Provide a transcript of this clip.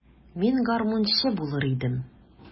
Мин гармунчы булыр идем.